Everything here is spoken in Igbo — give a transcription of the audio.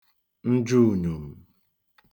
njụunyom̀